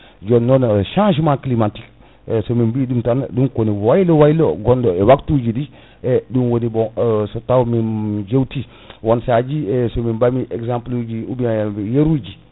jonnon changement climatique somin biɗum tan ɗum ko waylo waylo gonɗo e waptu jiɗi e ɗum woni bon so taw min jewti won sahaji e min ɓami exemple uji e yeeruji